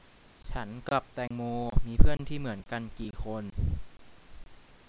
ฉันกับแตงโมมีเพื่อนที่เหมือนกันกี่คน